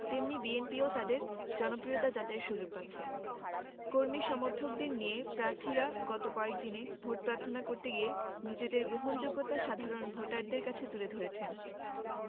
তেমনি বিএনপিও তাদের জনপ্রিয়তা যাচাইয়ের সুযোগ পাচ্ছে কর্মী সমর্থকদের নিয়ে প্রার্থীরা গত কয়েক দিনে ভোট প্রার্থনা করতে গিয়ে নিজেদের গ্রহণযোগ্যতা সাধারণ ভোটারদের কাছে তুলে ধরেছেন